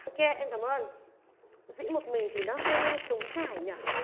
ô kê em cảm ơn diễn một mình thì nó hơi trống trải nhờ